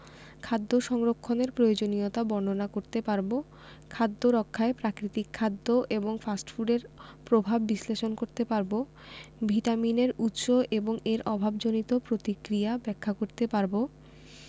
খাদ্য সংরক্ষণের প্রয়োজনীয়তা বর্ণনা করতে পারব খাদ্য রক্ষায় প্রাকৃতিক খাদ্য এবং ফাস্ট ফুডের প্রভাব বিশ্লেষণ করতে পারব ভিটামিনের উৎস এবং এর অভাবজনিত প্রতিক্রিয়া ব্যাখ্যা করতে পারব